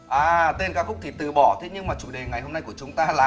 à tên ca khúc thì từ bỏ thế nhưng mà chủ đề ngày hôm nay của chúng ta là